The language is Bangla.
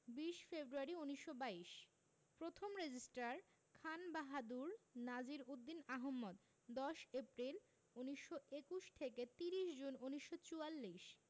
২০ ফেব্রুয়ারি ১৯২২ প্রথম রেজিস্ট্রার খানবাহাদুর নাজির উদ্দিন আহমদ ১০ এপ্রিল ১৯২১ থেকে ৩০ জুন ১৯৪৪